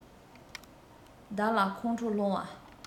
བདག ལ ཁོང ཁྲོ སློང བ